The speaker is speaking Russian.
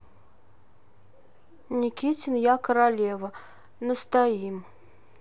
никитин я королева настоим